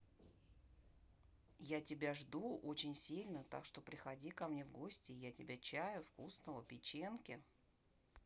я тебя жду очень сильно так что приходи ко мне в гости я тебя чаю вкусного печеньки